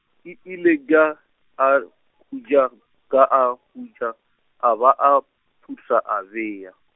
e ile ka a hutša, ka a hutša, a be a phutha a bea.